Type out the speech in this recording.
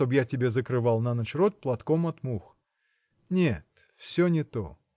чтоб я тебе закрывал на ночь рот платком от мух! Нет, все не то.